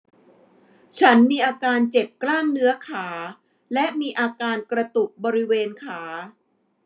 ฉันมีอาการเจ็บกล้ามเนื้อขาและมีอาการกระตุกบริเวณขา